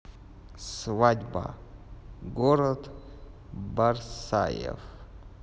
свадьба город барсаев